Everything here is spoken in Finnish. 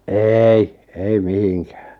ei ei mihinkään